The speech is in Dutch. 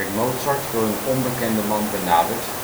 Mozart door een onbekende man benaderd